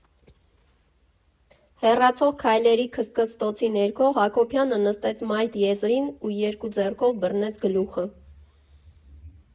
Հեռացող քայլերի քստքստոցի ներքո Հակոբյանը նստեց մայթեզրին ու երկու ձեռքով բռնեց գլուխը։